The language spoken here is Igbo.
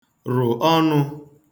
rụ̀ ọnụ̄